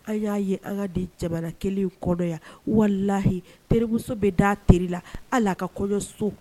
An y'a ye an ka nin jamana kelen in kɔnɔ yan walahi terimuso bɛ da a teri la hal'a ka kɔɲɔso